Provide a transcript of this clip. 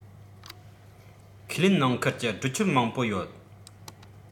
ཁས ལེན ནང ཁུལ གྱི གྲོས ཆོད མང པོ ཡོད